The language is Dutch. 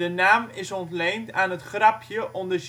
naam is ontleend aan het grapje onder